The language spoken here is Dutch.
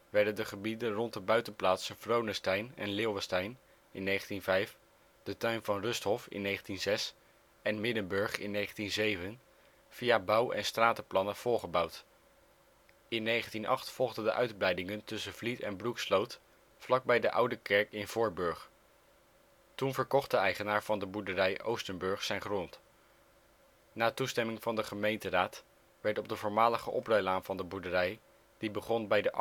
werden de gebieden rond de buitenplaatsen Vronestein en Leeuwenstein (1905), de tuin van Rusthof (1906) en Middenburg (1907) via bouw - en stratenplannen volgebouwd. In 1908 volgde de uitbreidingen tussen Vliet en Broeksloot vlakbij de oude kerk in Voorburg. Toen verkocht de eigenaar van de boerderij Oostenburg zijn grond. Na toestemming van de gemeenteraad werd op de voormalige oprijlaan van de boerderij die begon bij de